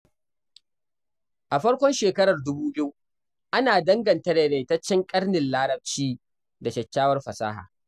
A farkon shekarar 2000, ana danganta daidaitaccen karnin Larabaci da 'kyakkyawar' fasaha.